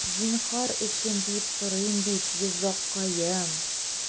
Зинһар өчен, диеп сорыйм бит, йозаккаем...